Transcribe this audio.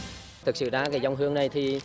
sự ra thì sông hương này thì